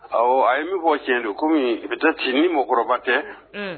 Ɔ a ye min fɔ cɛn don kɔmi i bɛ taa ci ni mɔgɔkɔrɔba kɛ